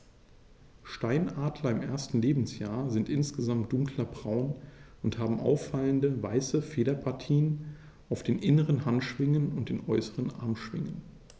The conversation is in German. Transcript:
Steinadler im ersten Lebensjahr sind insgesamt dunkler braun und haben auffallende, weiße Federpartien auf den inneren Handschwingen und den äußeren Armschwingen.